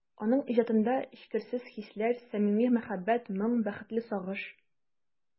Аның иҗатында эчкерсез хисләр, самими мәхәббәт, моң, бәхетле сагыш...